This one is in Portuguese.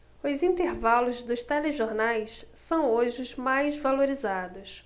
os intervalos dos telejornais são hoje os mais valorizados